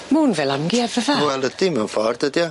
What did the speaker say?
Ma' 'wn fel amgueddfa. Wel ydi mewn ffordd dydi o?